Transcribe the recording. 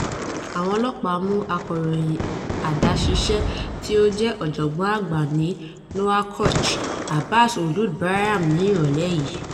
Àwọn ọlọ́pàá mú akọ̀ròyìn adáṣiṣẹ́ tí ó jẹ́ Ọ̀jọ̀gbọ́n-àgbà ní Nouakchott, Abbass Ould Braham ní ìrọ̀lẹ́ yìí.